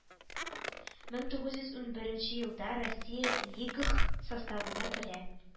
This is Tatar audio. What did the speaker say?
Мең тугыз йөз унберенче елда россия лигэх составына керә